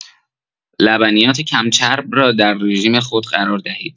لبنیات کم‌چرب را در رژیم خود قرار دهید.